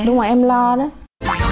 đúng rồi em lo lắm